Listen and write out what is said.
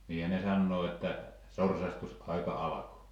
niinhän ne sanoo että sorsastusaika alkoi